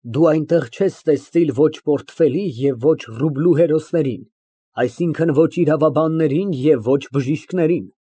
Դու այնտեղ չես տեսնիլ ոչ պորտֆելի և ոչ ռուբլու հերոսներին, այսինքն՝ ոչ իրավաբաններին և ոչ բժիշկներին։